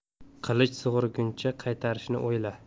qilich sug'urguncha qaytarishni o'yla